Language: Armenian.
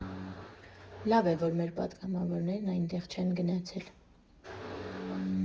Լավ է, որ մեր պատգամավորներն այնտեղ չեն գնացել։